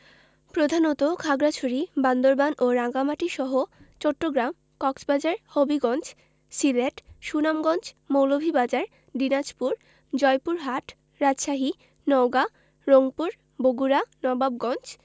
প্রধানত খাগড়াছড়ি বান্দরবান ও রাঙ্গামাটিসহ চট্টগ্রাম কক্সবাজার হবিগঞ্জ সিলেট সুনামগঞ্জ মৌলভীবাজার দিনাজপুর জয়পুরহাট রাজশাহী নওগাঁ রংপুর বগুড়া নবাবগঞ্জ